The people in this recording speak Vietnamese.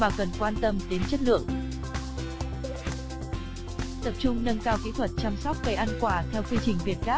mà cần quan tâm đến chất lượng tập trung nâng cao kỹ thuật chăm sóc cây ăn quả theo quy trình vietgap